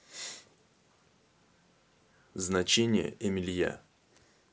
значение эмилья